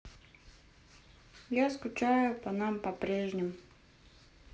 я скучаю по нам по прежним